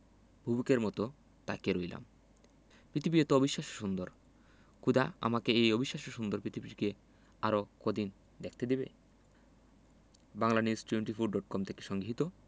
বুভুক্ষের মতো তাকিয়ে রইলাম পৃথিবী এতো অবিশ্বাস্য সুন্দর খোদা আমাকে এই অবিশ্বাস্য সুন্দর পৃথিবীটিকে আরো কয়দিন দেখতে দেবে বাংলানিউজ টোয়েন্টিফোর ডট কম থেকে সংগৃহীত